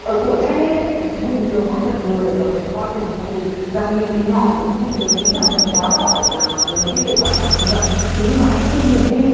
ở tuổi thanh niên thì chúng mình thường mắc bệnh lười và bệnh coi thường công việc gặp việc gì nhỏ thì chúng mình thường nghĩ rằng mình quá giỏi để làm mấy cái việc vặt vặt như vậy thế nhưng mà hãy tin mình đi